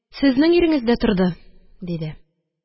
Сезнең иреңез дә торды, – диде